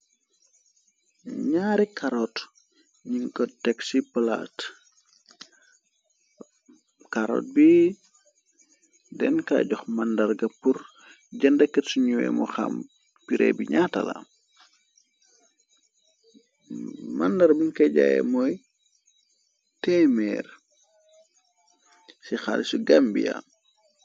Jaari karot ñjingko teg ci palaat carot bi den ka jox mandar ga pur jëndakat suñuwemu xam pire bi ñaatala màndar bu kejayé mooy témeer ci xalici gambia